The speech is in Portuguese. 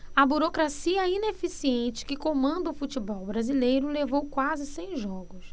a burocracia ineficiente que comanda o futebol brasileiro levou quase cem jogos